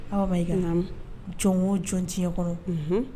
Awa Maïga, naamu, jɔn o jɔn diɲɛ kɔnɔ, unhun